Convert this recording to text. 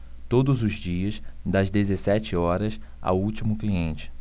todos os dias das dezessete horas ao último cliente